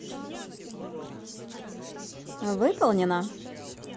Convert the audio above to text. выполнена